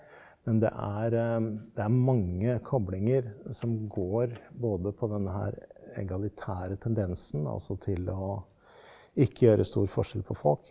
men det er det er mange koblinger som går både på denne her egalitære tendensen, altså til å ikke gjøre stor forskjell på folk.